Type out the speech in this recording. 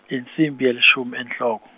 insimbi yelishumi enhloko.